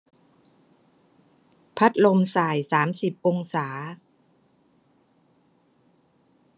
พัดลมส่ายสามสิบองศา